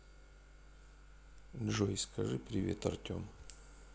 джой скажи привет артем